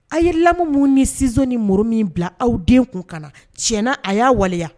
A ye lammumu ni sisono ni muru min bila aw den kun ka na tiɲɛna a y'a waleya